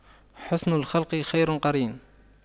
حُسْنُ الخلق خير قرين